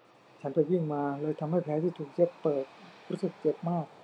ฉันไปวิ่งมาเลยทำให้แผลที่ถูกเย็บเปิดรู้สึกเจ็บมาก